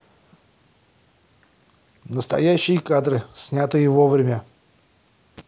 настоящие кадры снятые во время